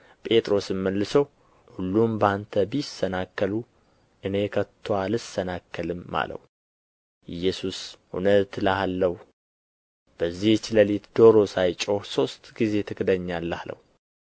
ጴጥሮስም መልሶ ሁሉም በአንተ ቢሰናከሉ እኔ ከቶ አልሰናከልም አለው ኢየሱስ እውነት እልሃለሁ በዚች ሌሊት ዶሮ ሳይጮኽ ሦስት ጊዜ ትክደኛለህ አለው